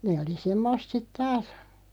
ne oli semmoista sitten taas